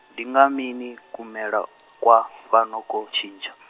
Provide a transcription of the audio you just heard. ndinga mini kumelo, kwa, fhano, ko tshintsha?